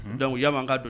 Hun donc i y'a mɛ an ka don